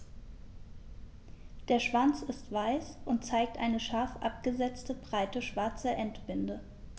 Der Schwanz ist weiß und zeigt eine scharf abgesetzte, breite schwarze Endbinde.